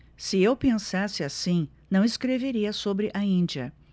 se eu pensasse assim não escreveria sobre a índia